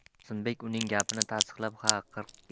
qosimbek uning gapini tasdiqlab ha qirq